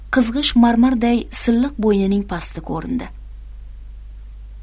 qizg'ish marmarday silliq bo'ynining pasti ko'rindi